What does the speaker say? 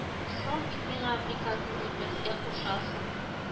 Соң бит миңа приказны үтәмәскә кушасың